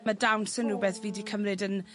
Ma' dawns yn rwbeth fi'di cymryd yn